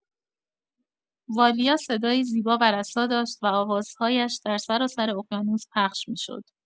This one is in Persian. والیا صدایی زیبا و رسا داشت و آوازهایش در سراسر اقیانوس پخش می‌شد.